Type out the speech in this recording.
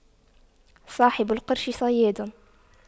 صاحب القرش صياد